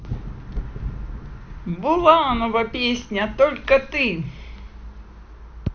буланова песня только ты